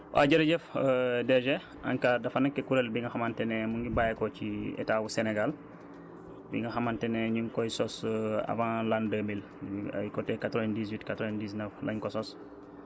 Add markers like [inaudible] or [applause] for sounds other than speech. waaw jërëjëf [hesitation] DG ANCAR dafa nekk kuréel bi nga xamante ne mu ngi bàyyeekoo ci état wu Sénégal bi nga xamante ne ñi ngi koy sos [hesitation] avant l' an deux mille ay côté quatre vingt dix huit quatre vingt dix neuf lañ ko sos